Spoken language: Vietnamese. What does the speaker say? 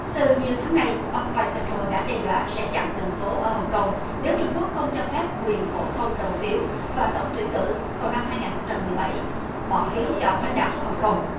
từ nhiều tháng nay o cư bai xen trồ đã đe dọa sẽ chặn đường phố ở hồng công nếu trung quốc không cho phép quyền phổ thông đầu phiếu và tổng tuyển cử vào năm hai ngàn không trăm mười bảy bỏ phiếu chọn lãnh đạo của hồng công